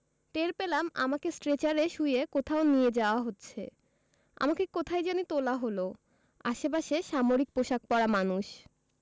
টের পেলাম আমাকে স্ট্রেচারে শুইয়ে কোথাও নিয়ে যাওয়া হচ্ছে আমাকে কোথায় জানি তোলা হলো আশেপাশে সামরিক পোশাক পরা মানুষ